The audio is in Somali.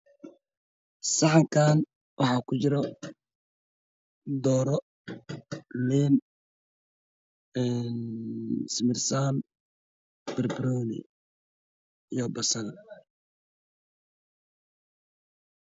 Saxankaan waxaa saaran malay simir soon io